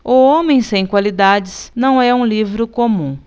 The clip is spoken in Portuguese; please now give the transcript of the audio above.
o homem sem qualidades não é um livro comum